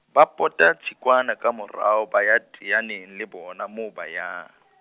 ba pota Tsikwane ka morao ba ya teana le bona moo ba yang.